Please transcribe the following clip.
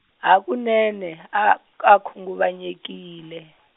hakunene a a khunguvanyekile.